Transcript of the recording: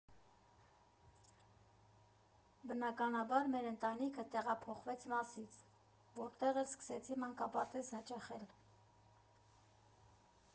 Բնականաբար մեր ընտանիքը տեղափոխվեց Մասիս, որտեղ էլ սկսեցի մանկապարտեզ հաճախել։